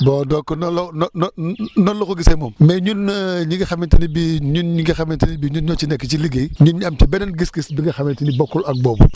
bon donc noonu la no no noonu la ko gisee moom mais ñun ñi nga xamante ni bii ñun ñi nga xamante ni bii ñun ñoo ci nekk ci liggéey ñun ñu am ci beneen gis-gis bi nga xamante ni bokkul ak boobu